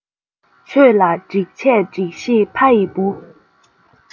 ཆོས ལ སྒྲིག ཆས སྒྲིགས ཤིག ཕ ཡི བུ